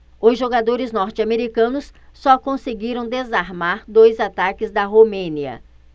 os jogadores norte-americanos só conseguiram desarmar dois ataques da romênia